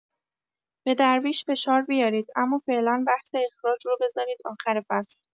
به درویش فشار بیارید اما فعلا بحث اخراج رو بزارید اخر فصل.